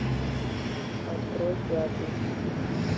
открой пятый